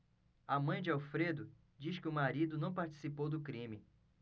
a mãe de alfredo diz que o marido não participou do crime